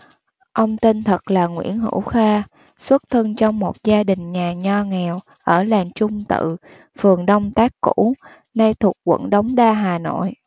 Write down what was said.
ông tên thật là nguyễn hữu kha xuất thân trong một gia đình nhà nho nghèo ở làng trung tự phường đông tác cũ nay thuộc quận đống đa hà nội